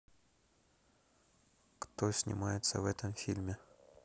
кто снимается в этом фильме